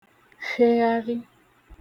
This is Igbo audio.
fhegharị